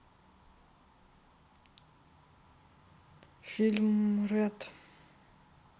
фильм рэд